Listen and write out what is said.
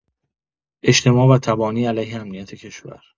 اجتماع و تبانی علیه امنیت کشور